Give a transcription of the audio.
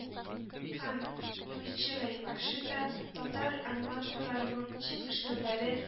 Һәм юичиро ивашита татар аниматорларының ничек эшләүләре